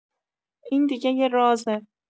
این دیگه یه رازه!